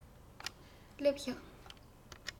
སླེབས བཞག